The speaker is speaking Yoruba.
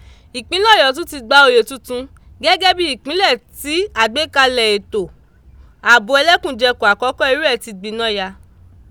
Ìpínlẹ̀ Ọ̀yọ́ tún ti gba oyè tuntun gẹ́gẹ́ bí ìpínlẹ̀ tí àgbékalẹ̀ ètò ààbò ẹlẹ́kùnjẹkùn àkọ́kọ́ irú ẹ̀ ti gbináya.